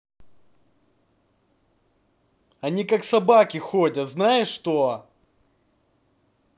они как собаки ходят знаешь что